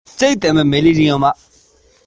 བྱིས པ ཚོའི མིག ནང དུ ང རང